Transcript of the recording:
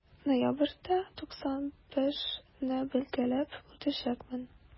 Ноябрьдә 95 не билгеләп үтәчәкмен.